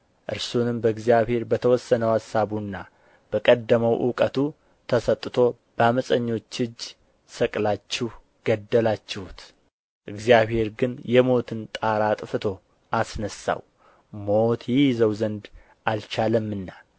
እርሱንም በእግዚአብሔር በተወሰነው አሳቡና በቀደመው እውቀቱ ተሰጥቶ በዓመፀኞች እጅ ሰቅላችሁ ገደላችሁት እግዚአብሔር ግን የሞትን ጣር አጥፍቶ አስነሣው ሞት ይይዘው ዘንድ አልቻለምና